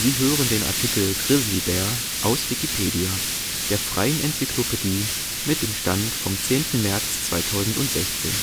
hören den Artikel Grizzlybär, aus Wikipedia, der freien Enzyklopädie. Mit dem Stand vom Der